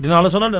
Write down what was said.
dinaa la sonal de